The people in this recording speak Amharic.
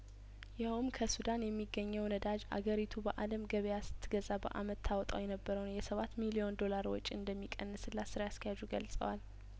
ይኸውም ከሱዳን የሚገኘው ነዳጅ አገሪቱ በአለም ገበያስት ገዛ በአመት ታወጣ የነበረውን የሰባት ሚሊዮን ዶላር ወጪ እንደሚቀንስ ላትስራ አስኪያጁ ገልጸዋል